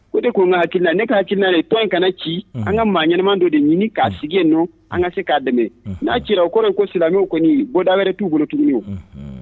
Fode ko ŋa hakilina ne ka hakilina de tɔn in kana ci unhun an ŋa maa ɲɛnɛma dɔ de ɲini k'a sugu yennɔ an ŋa se k'a dɛmɛ unhun n'a cira o kɔrɔ ye ko silamɛw kɔnii bɔda wɛrɛ t'u bolo tuguni o unhuun